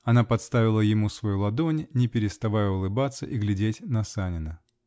-- Она подставила ему свою ладонь, не переставая улыбаться и глядеть на Санина.